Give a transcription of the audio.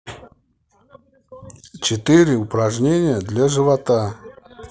четыре упражнения для живота